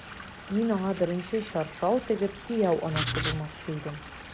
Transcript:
Мин аңа беренче чаршау тегеп, кияү анасы булмакчы идем...